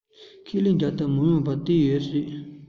ཁས ལེན རྒྱབ ཏུ མི མང བོས བལྟས ཡོད སྲིད